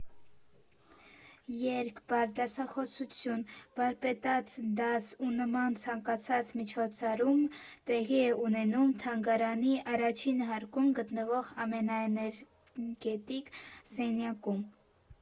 Երգ, պար, դասախոսություն, վարպետաց դաս ու նման ցանկացած միջոցառում տեղի է ունենում թանգարանի առաջին հարկում գտնվող ամենաէներգետիկ սենյակում։